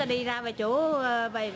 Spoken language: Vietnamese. đi ra vài chỗ ớ vầy